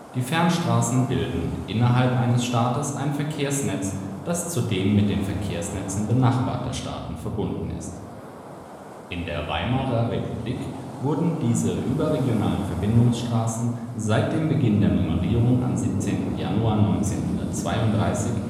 Die Fernstraßen bilden innerhalb eines Staates ein Verkehrsnetz, das zudem mit den Verkehrsnetzen benachbarter Staaten verbunden ist. In der Weimarer Republik wurden diese überregionalen Verbindungsstraßen seit dem Beginn der Nummerierung am 17. Januar 1932